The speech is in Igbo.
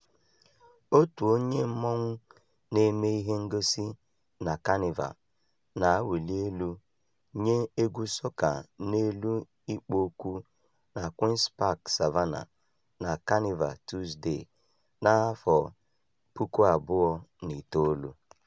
Otu onye mmọnwụ na-eme ihe ngosi na kanịva"na-awụli elu" nye egwu sọka n'elu ikpo okwu na Queen's Park Savannah, na Kanịva Tuuzde, 2009.